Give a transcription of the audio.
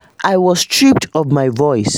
I was stripped of my voice!